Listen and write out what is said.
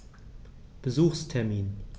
Besuchstermin